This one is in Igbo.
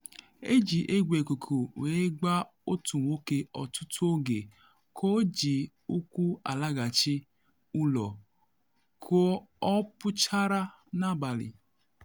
Ejirila egbe ikuku wee gbaa otu nwoke ọtụtụ oge ka o ji ụkwụ alaghachi ụlọ ka ọ pụchara n’abalị.